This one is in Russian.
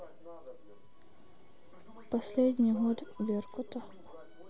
последний год беркута